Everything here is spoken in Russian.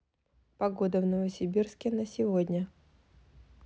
погода в новосибирске на сегодня